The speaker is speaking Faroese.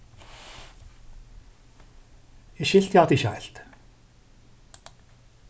eg skilti hatta ikki heilt